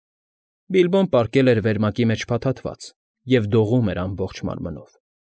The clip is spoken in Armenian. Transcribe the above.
Բիլբոն պառկել էր վերմակի մեջ փաթաթված և դողում էր ամբողջ մարմնով։